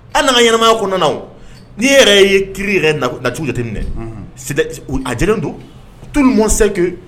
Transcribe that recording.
Hali nana yɛlɛmamaya kɔnɔna ni'i ye yɛrɛ ye ye kiiri yɛrɛ nacogo jate dɛ a lajɛlen don u to ni seke